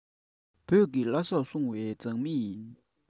བོད པའི བླ སྲོག སྲུང བའི མཛངས མི ཡིན